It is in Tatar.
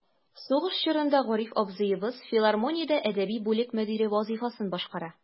Сугыш чорында Гариф абзыебыз филармониядә әдәби бүлек мөдире вазыйфасын башкара.